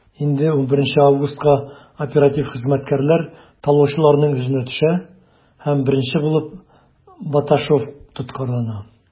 Инде 11 августка оператив хезмәткәрләр талаучыларның эзенә төшә һәм беренче булып Баташев тоткарлана.